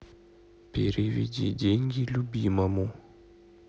переведи деньги любимому